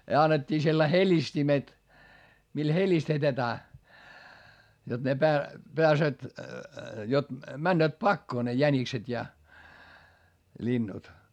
ja annettiin sellaiset helistimet millä helistetään jotta ne - pääsevät jotta menevät pakoon ne jänikset ja linnut